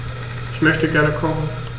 Ich möchte gerne kochen.